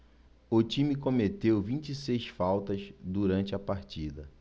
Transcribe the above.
o time cometeu vinte e seis faltas durante a partida